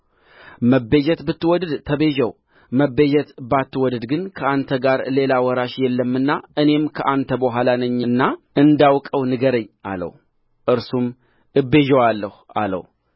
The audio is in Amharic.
መቤዠት ብትወድድ ተቤዠው መቤዠት ባትወድድ ግን ከአንተ በቀር ሌላ ወራሽ የለምና እኔም ከእአንተ በኋላ ነኝና እንዳውቀው ንገረኝ አለው እርሱም እቤዠዋለሁ አለው